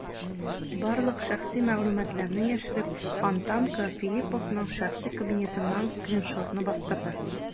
Барлык шәхси мәгълүматларны яшереп, "Фонтанка" Филипповның шәхси кабинетыннан скриншотны бастырды.